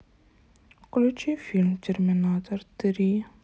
включи фильм терминатор три